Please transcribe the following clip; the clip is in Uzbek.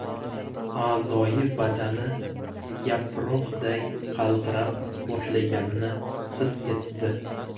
a'zoyi badani yaproqday qaltiray boshlaganini his etdi